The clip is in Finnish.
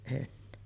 en